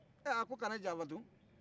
a ko ka ne janfa tun